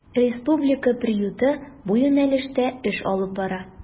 Республика приюты бу юнәлештә эш алып бара.